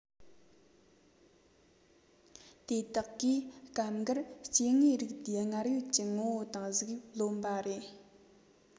དེ དག གིས སྐབས འགར སྐྱེ དངོས རིགས དེའི སྔར ཡོད ཀྱི ངོ བོ དང གཟུགས དབྱིབས ལོན པ རེད